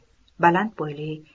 baland bo'yli